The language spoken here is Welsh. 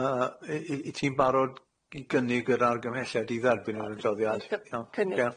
Yy i i i ti'n barod i gynnig yr gymhelliad i dderbyn ar yr adroddiad?